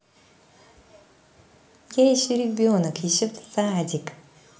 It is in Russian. я еще ребенок еще в садик